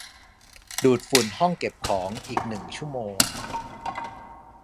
ดูดฝุ่นห้องเก็บของอีกหนึ่งชั่วโมง